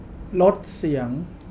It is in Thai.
ลดเสียง